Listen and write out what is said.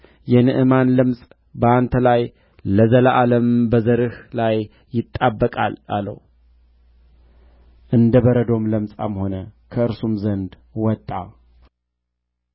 ብሩንና ልብሱን የወይራውንና የወይኑን ቦታ በጎችንና በሬዎችን ወንዶችንና ሴቶችን ባሪያዎች ትቀበል ዘንድ ይህ ጊዜው ነውን እንግዲህስ የንዕማን ለምጽ በአንተ ላይ ለዘላለምም በዘርህ ላይ ይጣበቃል አለው እንደ በረዶም ለምጻም ሆኖ ከእርሱ ዘንድ ወጣ